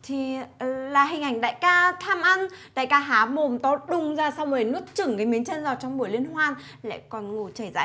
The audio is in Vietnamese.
thì là hình ảnh đại ca tham ăn đại ca há mồm to đùng ra sau rồi nuốt chửng miếng chân giò trong buổi liên hoan lại còn ngủ chảy dãi